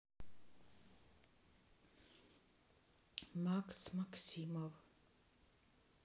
макс максимов